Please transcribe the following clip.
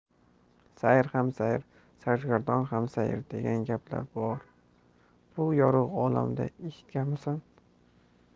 sayr ham sayr sargardon ham sayr degan gaplar bor bu yorug' olamda eshitganmisan